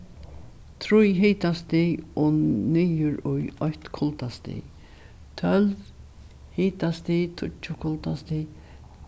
trý hitastig og niður í eitt kuldastig tólv hitastig tíggju kuldastig